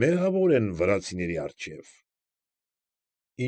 Մեղավոր են վրացիների առջև։ ֊